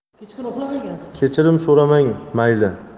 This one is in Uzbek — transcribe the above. kechirim so'ramang mayli